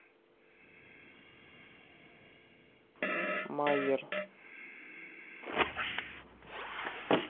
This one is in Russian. майер